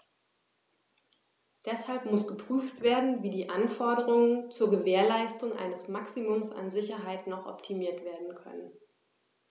Deshalb muss geprüft werden, wie die Anforderungen zur Gewährleistung eines Maximums an Sicherheit noch optimiert werden können.